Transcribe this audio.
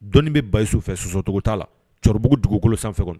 Dɔni bɛ ba sufɛ sososɔcogo t'a la cɛkɔrɔbabugu dugukolo sanfɛ kɔnɔ